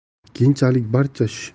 keyinchalik barcha ish